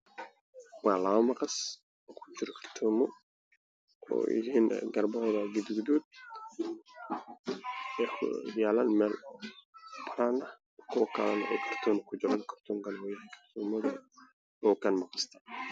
Meeshaan maxaa yeelo maqaska timaha lagu jarto oo ku jira kartoon waana laba maqas oo jaalle ah guduud ah